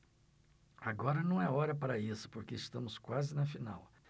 agora não é hora para isso porque estamos quase na final